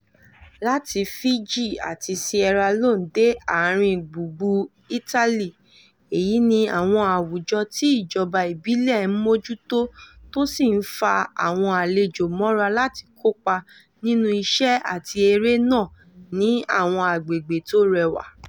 Láti Fiji àti Sierra Leaone dé àárín gbùgbù Italy, èyí ní àwọn àwùjọ tí ìjọba ìbílẹ̀ ń mójútó tó sì ń fa àwọn àlejò mọ́ra láti kópa nínu iṣẹ́ àti eré náà ní àwọn agbègbè tó rẹwà.